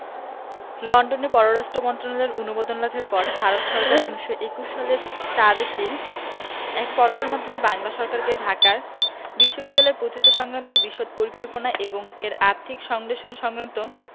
লন্ডনে পররাষ্ট্র মন্ত্রণালয়ের অনুমোদন লাভের পর ভারত সরকার ১৯২১ সালের ৪ এপ্রিল এক পত্রের মাধ্যমে বাংলা সরকারকে ঢাকায় বিশ্ববিদ্যালয় প্রতিষ্ঠা সংক্রান্ত বিশদ পরিকল্পনা এবং এর আর্থিক সংশ্লেষ সংক্রান্ত